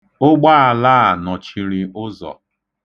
Ụgbaala a nọchiri ụzọ.